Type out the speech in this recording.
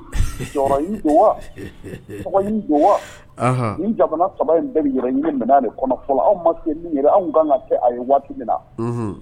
Jɔ jɔ wa nin jamana saba in bɛ minɛ de kɔnɔ fɔlɔ anw ma min anw kan ka kɛ ye waati min